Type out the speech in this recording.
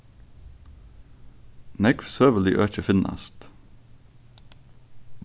nógv søgulig øki finnast